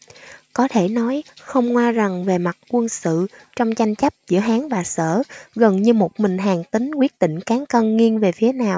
có thể nói không ngoa rằng về mặt quân sự trong tranh chấp giữa hán và sở gần như một mình hàn tín quyết định cán cân nghiêng về phía nào